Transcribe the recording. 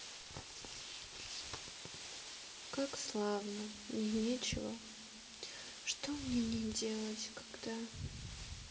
как славно мне ничего что мне не делать когда